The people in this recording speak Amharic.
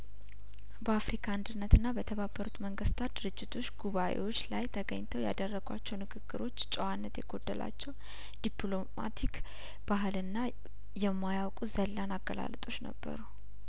በአፍሪካ አንድነትና በተባበሩት መንግስታት ድርጅቶች ጉባኤዎች ላይ ተገኝተው ያደረ ጓቸውንግግሮች ጨዋነት የጐደላቸው ዲፕሎማቲክ ባህልና የማያውቁ ዘላን አገላለጦች ነበሩ